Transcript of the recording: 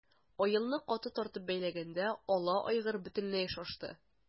Аелны каты тартып бәйләгәндә ала айгыр бөтенләй шашты.